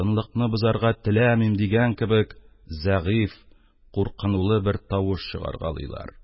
«тынлыкны бозарга теләмим!» дигән кебек, зәгыйфь, куркынулы бер тавыш чыгаргалыйлар.